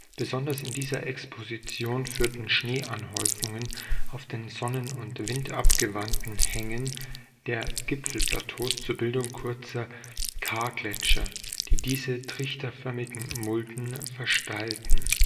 Besonders in dieser Exposition führten Schneeanhäufungen auf den sonnen - und windabgewandten Hängen der Gipfelplateaus zur Bildung kurzer Kargletscher, die diese trichterförmigen Mulden versteilten